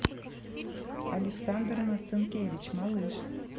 александр марцинкевич малыш